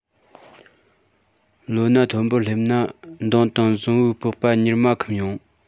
ལོ ན མཐོན པོར སླེབས ན གདོང དང གཟུགས པོའི པགས པ གཉེར མ འཁུམ ཡོང